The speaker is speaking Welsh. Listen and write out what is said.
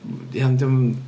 Ia ond 'di o'm yn...